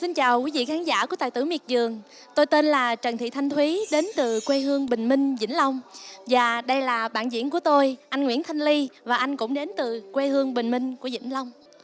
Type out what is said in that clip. xin chào quý vị khán giả của tài tử miệt vườn tôi tên là trần thị thanh thúy đến từ quê hương bình minh vĩnh long và đây là bạn diễn của tôi anh nguyễn thanh ly và anh cũng đến từ quê hương bình minh của vĩnh long